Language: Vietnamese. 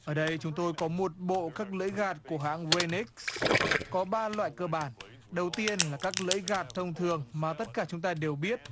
ở đây chúng tôi có một bộ các lưỡi gạt của hãng rên ích có ba loại cơ bản đầu tiên là các lưỡi gạt thông thường mà tất cả chúng ta đều biết